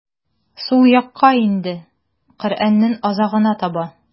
Сул якка инде, Коръәннең азагына таба.